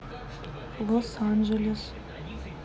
лос анджелес